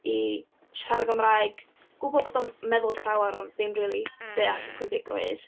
i siarad Gymraeg, gwbod bod o'n meddwl llawer, ond ddim rili deall y pwysigrwydd.